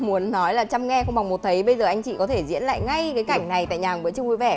và muốn nói là trăm nghe không bằng một thấy bây giờ anh chị có thể diễn lại ngay cái cảnh này tại nhà hàng bữa trưa vui vẻ